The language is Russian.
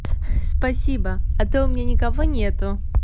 спасибо а то у меня никого нету